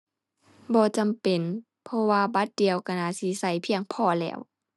บ่จำเป็น เพราะว่าบัตรเดียวก็น่าสิก็เพียงพอแล้ว